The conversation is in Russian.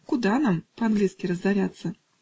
Куда нам по-английски разоряться!